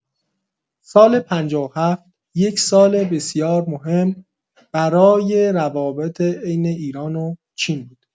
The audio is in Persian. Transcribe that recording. سال ۵۷ یک سال بسیار مهم برای روابط بین ایران و چین بود.